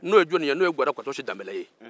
n'o ye jɔnnin ye n'o ye gɔdɛ gɔdɔsi danbɛlɛ ye